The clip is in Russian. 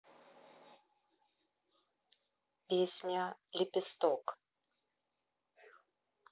песня лепесток